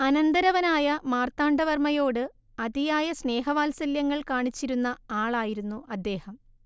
അനന്തരവനായ മാർത്താണ്ഡവർമ്മയോട് അതിയായ സ്നേഹവാത്സല്യങ്ങൾ കാണിച്ചിരുന്ന ആളായിരുന്നു അദേഹം